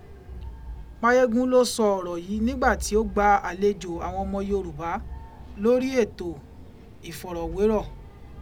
Máyégún ló sọ ọ̀rọ̀ yìí nígbà tí ó gba àlejò àwọn ọmọ Yorùbá lórí ètò ìfọ̀rọ̀wérọ̀.